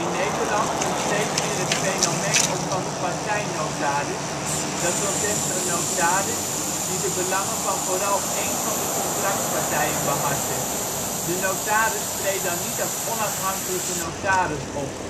Nederland komt steeds meer het fenomeen op van de partijnotaris, dat wil zeggen een notaris, die de belangen van vooral één van de contractspartijen behartigt. De notaris treedt dan niet als onafhankelijke notaris op